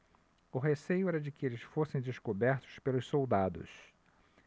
o receio era de que eles fossem descobertos pelos soldados